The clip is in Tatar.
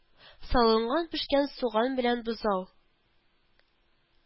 Салынган пешкән суган белән бозау